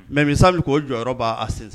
Mɛ misa k'o jɔyɔrɔ yɔrɔ b' a sen